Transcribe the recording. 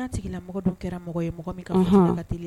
N' sigila mɔgɔ dun kɛra mɔgɔ ye mɔgɔ min ka fagaeli